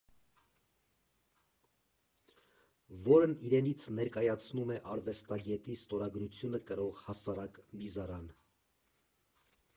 Որն իրենից ներկայացնում է արվեստագետի ստորագրությունը կրող հասարակ միզարան։